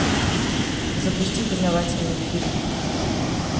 запусти познавательный фильм